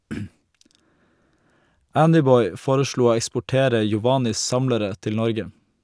Andyboy foreslo å eksportere Yovanys samlere til Norge.